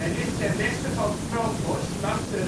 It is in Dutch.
ligt ten westen van Froombosch langs de